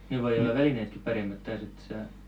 nyt voi olla välineetkin paremmat taas että saa